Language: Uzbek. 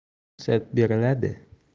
ruxsat beriladi